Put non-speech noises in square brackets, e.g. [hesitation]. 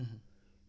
[hesitation] [hesitation]